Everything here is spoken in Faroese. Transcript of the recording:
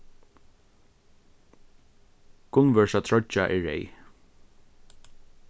gunnvørsa troyggja er reyð